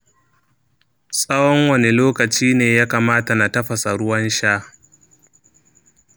tsawon wani lokaci ne ya kamata na tafasa ruwan sha?